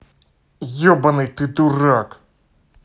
ебаный ты дурак